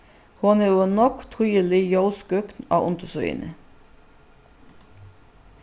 hon hevur nógv týðilig ljósgøgn á undirsíðuni